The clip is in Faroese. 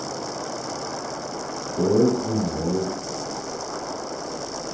borð og morð